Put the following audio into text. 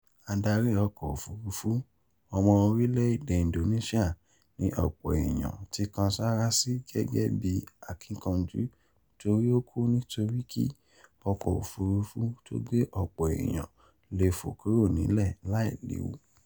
Adarí ọkọ̀-òfúrufú, ọmọ orílẹ̀-èdè Indonesia, ni ọ̀pọ̀ èèyàn ti kan sárá sí gẹ́gẹ́ bí akínkanjú torí ó kú nítorí kí ọkọ̀-òfúrufú tó gbé ọ̀pọ̀ èèyàn lè fò kúrò nílẹ̀ láì léwu.